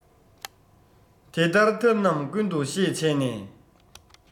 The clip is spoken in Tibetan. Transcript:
དེ ལྟར ཐབས རྣམས ཀུན ཏུ ཤེས བྱས ནས